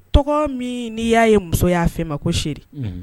Tɔgɔ min n'i y'a ye muso y'a fɛ ma ko seri